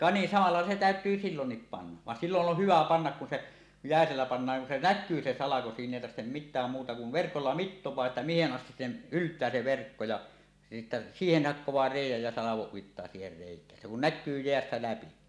ka niin samalla lailla se täytyy silloin panna vaan silloin on hyvä panna kun se jäisellä pannaan kun se näkyy se salko siinä ei tarvitse mitään muuta kuin verkolla mittaa että mihin asti se yltää se verkko ja sitten siihen hakkaa reiän ja salon uittaa siihen reikään se kun näkyy jäästä läpi